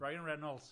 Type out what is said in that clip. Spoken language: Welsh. Ryan Reynolds.